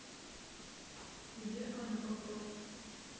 где аня покров